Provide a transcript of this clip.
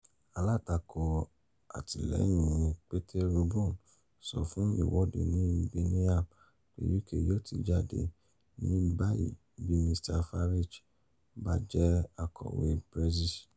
Alatako atẹhinwa Peteru Bone sọ fun iwọde ni Birmingham pe UK yoo 'ti jade' ni bayi bi Mr Farage bajẹ Akowe Brexit.